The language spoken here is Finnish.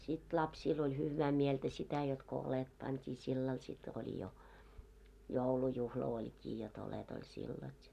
sitten lapsilla oli hyvää mieltä sitä jotta kun oljet pantiin sillä lailla sitten oli jo joulujuhla olikin jotta oljet oli sillä lailla ja